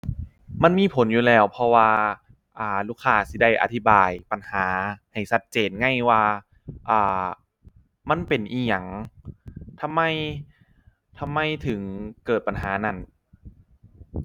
มันมีผลอยู่แล้วเพราะว่า อ่า ลูกค้าสิได้อธิบายปัญหาให้ชัดเจนไงว่า อ่า มันเป็นอิหยัง ทำไม ทำไมถึงเกิดปัญหานั้น